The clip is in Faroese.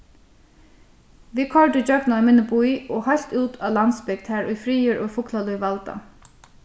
vit koyrdu ígjøgnum ein minni bý og heilt út á landsbygd har ið friður og fuglalív valda